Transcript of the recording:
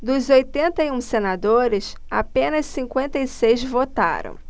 dos oitenta e um senadores apenas cinquenta e seis votaram